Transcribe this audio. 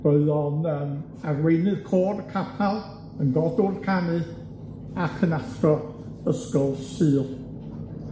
roedd o'n yym arweinydd côr capal, yn godwr canu, ac yn athro ysgol Sul.